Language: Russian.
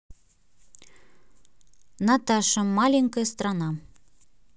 наташа маленькая страна